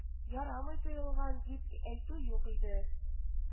Ярамый тыелган дип әйтү юк иде